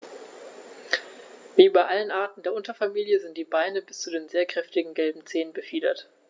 Wie bei allen Arten der Unterfamilie sind die Beine bis zu den sehr kräftigen gelben Zehen befiedert.